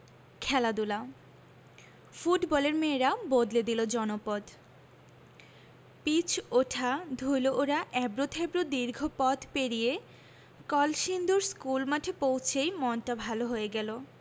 খেলাধুলা ফুটবলের মেয়েরা বদলে দিল জনপদ পিচ ওঠা ধুলো ওড়া এবড়োথেবড়ো দীর্ঘ পথ পেরিয়ে কলসিন্দুর স্কুলমাঠে পৌঁছেই মনটা ভালো হয়ে গেল